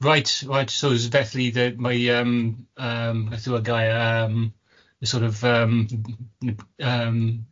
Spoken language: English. Right, right, so as mae yym yym, beth yw y gair, yym sor' of yym yym